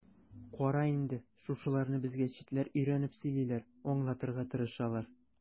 Кара инде, шушыларны безгә читләр өйрәнеп сөйлиләр, аңлатырга тырышалар.